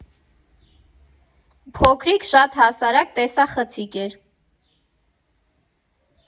Փոքրիկ, շատ հասարակ տեսախցիկ էր։